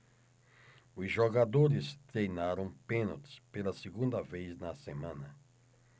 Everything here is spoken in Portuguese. os jogadores treinaram pênaltis pela segunda vez na semana